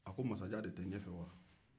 a ko masajan de t ɲɛ fɛ wa